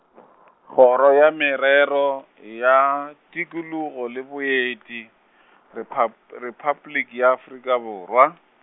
Kgoro ya Merero ya Tikologo le Boeti, Repab-, Repabliki ya Afrika Borwa.